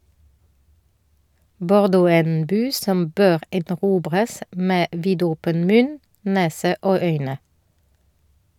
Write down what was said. Bordeaux er en by som bør erobres med vidåpen munn, nese og øyne.